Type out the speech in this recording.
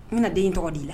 N bɛna den in tɔgɔ di i la.